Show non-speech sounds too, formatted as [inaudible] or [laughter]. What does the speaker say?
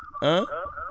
[hesitation]